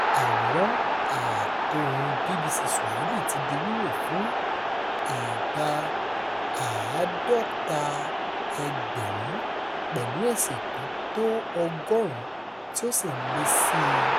Àwòrán-àtohùn-un BBC Swahili ti di wíwò fún ìgbà 50,000 pẹ̀lú èsì tí ó tó 100 tí ó sì ń lé sí í.